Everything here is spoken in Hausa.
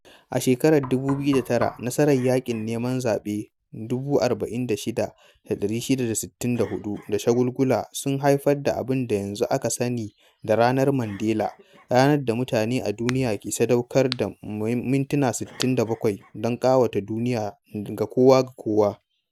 A shekarar 2009, nasarar yaƙin neman zaɓe 46664 da shagulgula, sun haifar da abin da yanzu aka sani da "Ranar Mandela", ranar da mutane a duniya ke sadaukar da mintuna 67 don ƙawata duniya ga kowa da kowa.